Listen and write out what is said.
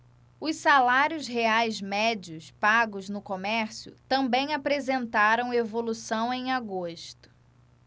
os salários reais médios pagos no comércio também apresentaram evolução em agosto